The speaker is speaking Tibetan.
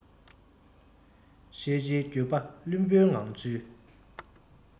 ཤེས རྗེས འགྱོད པ བླུན པོའི ངང ཚུལ